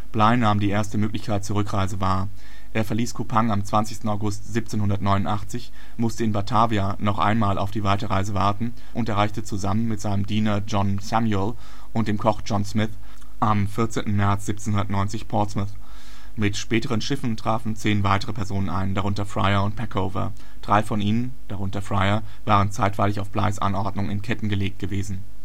Bligh nahm die erste Möglichkeit zur Rückreise wahr. Er verließ Kupang am 20. August 1789, musste in Batavia noch einmal auf die Weiterreise warten und erreichte zusammen mit seinem Diener John Samuel und dem Koch John Smith am 14. März 1790 Portsmouth. Mit späteren Schiffen trafen zehn weitere Personen ein, darunter Fryer und Peckover; drei von ihnen, darunter Fryer, waren zeitweilig auf Blighs Anordnung in Ketten gelegt gewesen